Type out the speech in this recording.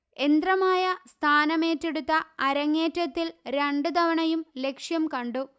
യന്ത്രമായ സ്ഥാനമേറ്റെടുത്ത അരങ്ങേറ്റത്തിൽ രണ്ട് തവണയും ലക്ഷ്യം കണ്ടു